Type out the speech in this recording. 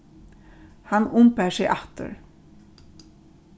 hann umbar seg aftur